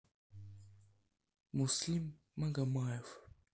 муслим магомаев